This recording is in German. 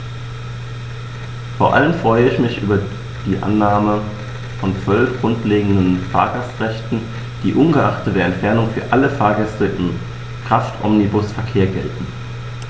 Vor allem freue ich mich über die Annahme von 12 grundlegenden Fahrgastrechten, die ungeachtet der Entfernung für alle Fahrgäste im Kraftomnibusverkehr gelten.